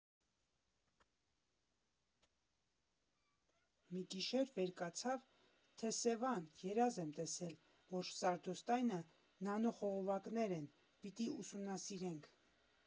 Մի գիշեր վեր կացավ, թե՝ Սևան, երազ եմ տեսել, որ սարդոստայնը նանոխողովակներ են, պիտի ուսումնասիրենք։